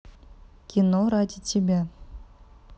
кино ради тебя